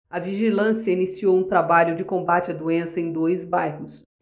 a vigilância iniciou um trabalho de combate à doença em dois bairros